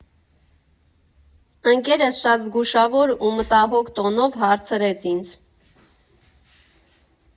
Ընկերս շատ զգուշավոր ու մտահոգ տոնով հարցրեց ինձ.